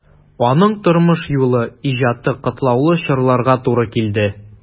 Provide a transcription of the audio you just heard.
Аның тормыш юлы, иҗаты катлаулы чорларга туры килде.